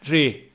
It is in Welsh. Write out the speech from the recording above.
Tri.